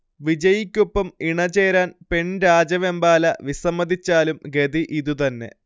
വിജയ്ക്കൊപ്പം ഇണചേരാൻ പെൺരാജവെമ്പാല വിസമ്മതിച്ചാലും ഗതി ഇതുതന്നെ